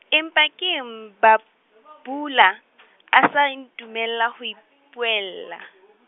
empa keng Bhabula , a sa ntumella ho ipuella.